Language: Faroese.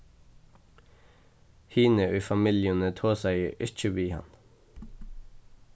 hini í familjuni tosaðu ikki við hann